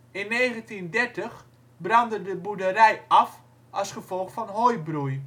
1930 brandde de de boerderij af als gevolg van hooibroei